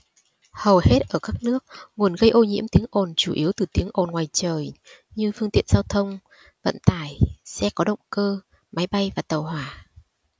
hầu hết ở các nước nguồn gây ô nhiễm tiếng ồn chủ yếu từ tiếng ồn ngoài trời như phương tiện giao thông vận tải xe có động cơ máy bay và tàu hỏa